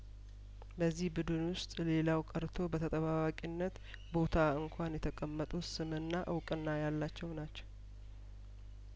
በዚህ ብዱን ውስጥ ሌላው ቀርቶ በተጠባባቂነት ቦታ እንኳን የተቀመጡት ስምና እውቅና ያላቸው ናቸው